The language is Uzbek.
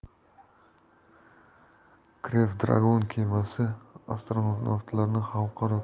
crew dragon kemasi astronavtlarni xalqaro